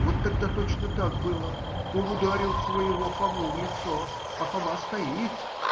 Вот тогда точно так было: он ударил своего Фому в лицо, а Фома стоит